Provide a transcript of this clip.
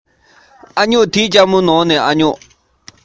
རླུང བུས གཡོ བའི སྙེ མ དང